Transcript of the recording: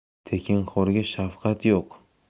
tekinxo'rga shafqat yo'q